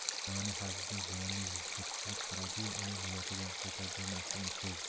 mavlono fazliddin jiyanining yuziga tikilib qaradi yu uni niyatidan qaytarib bo'lmasligini sezdi